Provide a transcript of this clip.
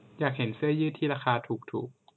อยากเห็นเสื้อยืดที่ราคาถูกถูก